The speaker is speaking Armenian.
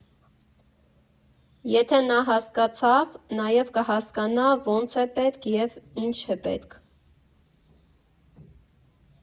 Եթե նա հասկացավ, նաև կհասկանա՝ ոնց է պետք, և ինչ է պետք։